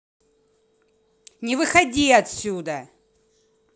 не выходи отсюда